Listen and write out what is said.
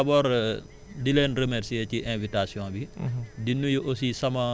voilà sama kaddu gu mujj bon d' abord di leen remercier ci invitation bi